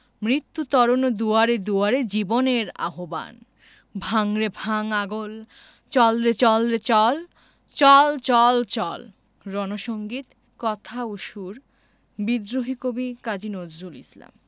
মৃত্যু তরণ দুয়ারে দুয়ারে জীবনের আহবান ভাঙ রে ভাঙ আগল চল রে চল রে চল চল চল চল রন সঙ্গীত কথা ও সুর বিদ্রোহী কবি কাজী নজরুল ইসলাম